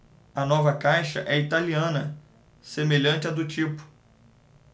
a nova caixa é italiana semelhante à do tipo